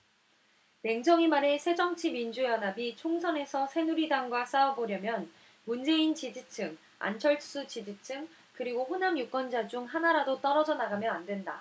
냉정히 말해 새정치민주연합이 총선에서 새누리당과 싸워보려면 문재인 지지층 안철수 지지층 그리고 호남 유권자 중 하나라도 떨어져 나가면 안 된다